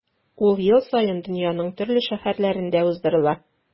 Ул ел саен дөньяның төрле шәһәрләрендә уздырыла.